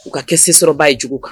U ka kɛ sososɔrɔba ye jugu kan